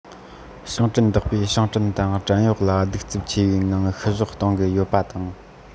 ཞིང བྲན བདག པོས ཞིང བྲན དང བྲན གཡོག ལ གདུག རྩུབ ཆེ བའི ངང བཤུ གཞོག གཏོང གི ཡོད པ དང